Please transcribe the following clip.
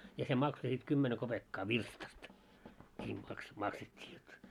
ja se maksoi sitten kymmenen kopeekkaa virstasta niin - maksettiin jotta